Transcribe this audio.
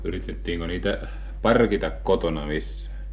yritettiinkö niitä parkita kotona missään